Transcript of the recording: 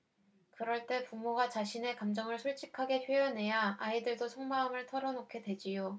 그럴 때 부모가 자신의 감정을 솔직하게 표현해야 아이들도 속마음을 털어 놓게 되지요